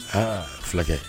Aa filakɛ!